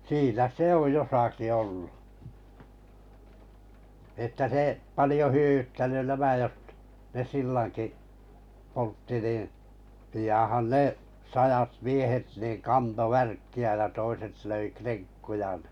siinä se on jossakin ollut että se paljon hyödyttänyt nämä - ne sillankin poltti niin pianhan ne sadat miehet niin kantoi värkkiä ja toiset löi krenkkuja niin